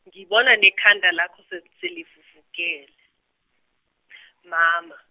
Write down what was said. ngibona nekhanda lakho se- selivuvukele, mama.